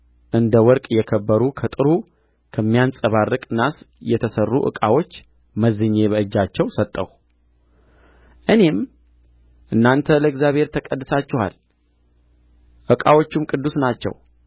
እንደ ወርቅ የከበሩ ከጥሩ ከሚያንጸባርቅ ናስ የተሠሩ ዕቃዎች መዝኜ በእጃቸው ሰጠሁ እኔም እናንተ ለእግዚአብሔር ተቀድሳችኋል ዕቃዎቹም ቅዱስ ናቸው